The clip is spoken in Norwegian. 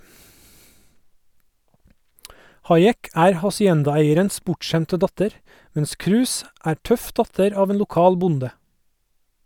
Hayek er haciendaeierens bortskjemte datter, mens Cruz er tøff datter av en lokal bonde.